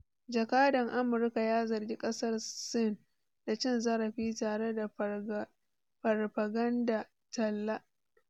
Jakadan Amurka ya zargi kasar Sin da 'cin zarafi' tare da 'farfaganda talla'